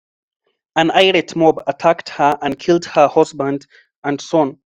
An irate mob attacked her and killed her husband and son.